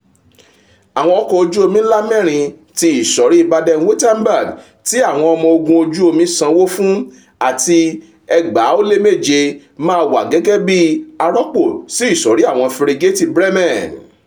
Àwọn ọkọ̀ ojú omi ńlá mẹ́rin ti ìsọ̀rí Baden-Wuerttemberg tí Àwọn ọmọ ogún ojú omi sànwó fún ;áti 2007 máa wá gẹ́gẹ́bí arọ́pò sí ìṣọ̀rí àwọn fírígéétì Bremen.